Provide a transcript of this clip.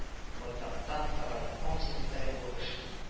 Байтактан райком секретаре булып эшли